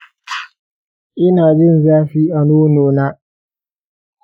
inajin zafi a nono na